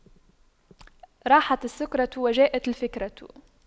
راحت السكرة وجاءت الفكرة